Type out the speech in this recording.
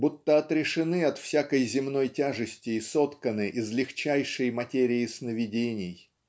будто отрешены от всякой земной тяжести и сотканы из легчайшей материи сновидений.